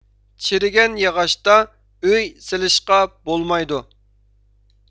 چىرىگەن ياغاچتا ئۆي سېلىشقا بولمايدۇ